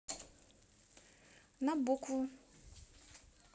на букву